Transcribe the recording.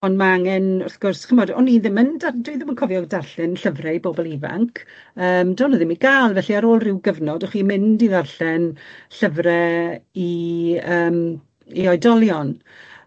On' ma' angen wrth gwrs ch'mod o'n i ddim yn dar- dwi ddim yn cofio darllen llyfre i bobol ifanc yym do'n nw ddim i ga'l. Felly, ar ôl ryw gyfnod, o'ch chi'n mynd i ddarllen llyfre i yym i oedolion.